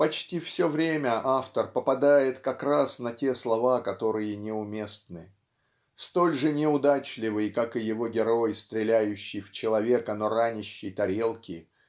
Почти все время автор попадает как раз на те слова которые неуместны. Столь же неудачливый как и его герой стреляющий в человека но ранящий тарелки